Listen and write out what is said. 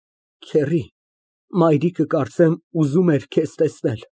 Քեռի, մայրիկը կարծեմ ուզում էր քեզ տեսնել։